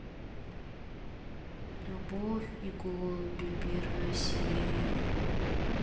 любовь и голуби первая серия